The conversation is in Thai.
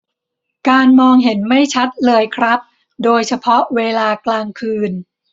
การมองเห็นไม่ชัดเลยครับโดยเฉพาะเวลากลางคืน